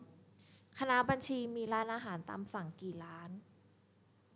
คณะบัญชีมีร้านอาหารตามสั่งกี่ร้าน